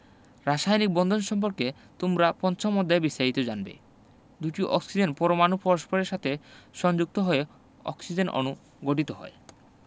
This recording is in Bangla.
রাসায়নিক বন্ধন সম্পর্কে তোমরা পঞ্চম অধ্যায়ে বিস্তারিত জানবে দুটি অক্সিজেন পরমাণু পরস্পরের সাথে যুক্ত হয়ে অক্সিজেন অণু গঠিত হয়